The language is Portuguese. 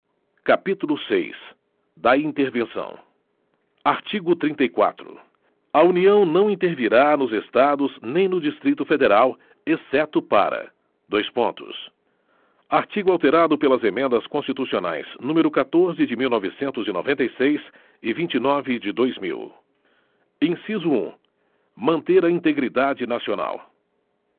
capítulo seis da intervenção artigo trinta e quatro a união não intervirá nos estados nem no distrito federal exceto para dois pontos artigo alterado pelas emendas constitucionais número catorze de mil novecentos e noventa e seis e vinte e nove de dois mil inciso um manter a integridade nacional